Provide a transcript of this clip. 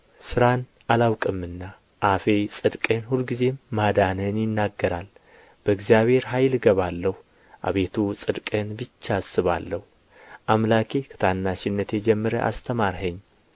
ሥራን አላውቅምና አፌ ጽድቅህን ሁልጊዜም ማዳንህን ይናገራል በእግዚአብሔር ኃይል እገባለሁ አቤቱ ጽድቅህን ብቻ አስባለሁ አምላኬ ከታናሽነቴ ጀምረህ አስተማርኸኝ